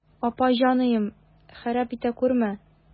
Апа җаныем, харап итә күрмә.